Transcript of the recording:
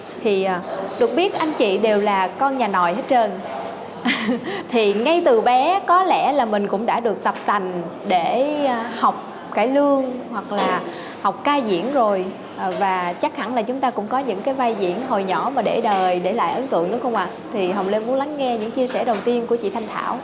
thì ờ được biết anh chị đều là con nhà nòi hết trơn thì ngay từ bé có lẽ là mình cũng đã được tập tành để học cải lương hoặc là học ca diễn rồi và chắc hẳn là chúng ta cũng có những cái vai diễn hồi nhỏ mà để đời để lại ấn tượng đúng không ạ thì hồng lê muốn lắng nghe những chia sẻ đầu tiên của chị thanh thảo